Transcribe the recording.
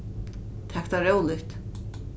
tak tað róligt